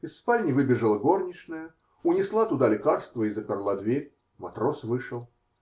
Из спальни выбежала горничная, унесла туда лекарство и заперла дверь. Матрос вышел.